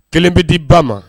Kelen bɛ di ba ma